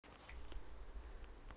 что долго думать будешь